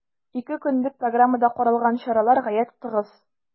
Ике көнлек программада каралган чаралар гаять тыгыз.